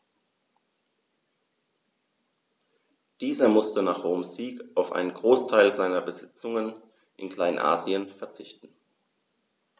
Dieser musste nach Roms Sieg auf einen Großteil seiner Besitzungen in Kleinasien verzichten.